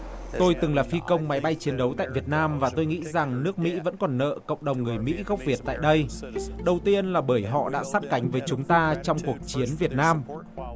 tôi từng là phi công máy bay chiến đấu tại việt nam và tôi nghĩ rằng nước mỹ vẫn còn nợ cộng đồng người mỹ gốc việt tại đây đầu tiên là bởi họ đã sát cánh với chúng ta trong cuộc chiến việt nam